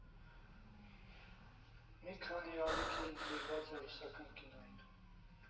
Մի քանի ալիք էլ նվիրված է ռուսական կինոյին.